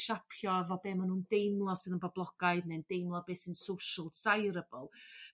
a fod be' ma' nw'n deimlo sydd yn boblogaidd ne'n deimlo beth sy' n social desirable